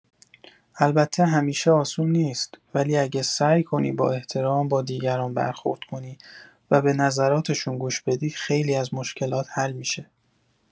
البته همیشه آسون نیست، ولی اگه سعی کنی با احترام با دیگران برخورد کنی و به نظراتشون گوش بدی، خیلی از مشکلات حل می‌شه.